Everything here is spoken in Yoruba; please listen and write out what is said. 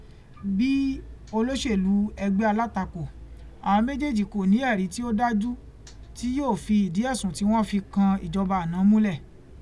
Bí olóṣèlú ẹgbẹ́ alátakò, àwọn méjèèjì kò ní ẹ̀rí tí ó dájú tí yóò fi ìdí ẹ̀sùn tí ó fi kan ìjọba àná múlẹ̀.